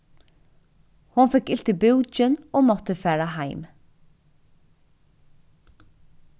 hon fekk ilt í búkin og mátti fara heim